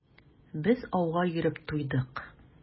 Без ауга йөреп туйдык.